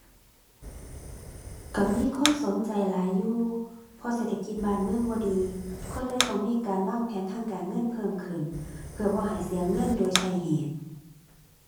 ก็มีคนสนใจหลายอยู่ เพราะเศรษฐกิจบ้านเมืองบ่ดี คนเลยต้องมีการวางแผนทางการเงินเพิ่มขึ้น เพื่อบ่ให้เสียเงินโดยใช่เหตุ